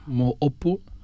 moo ëpp